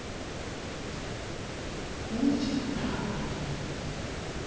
мультик про аварии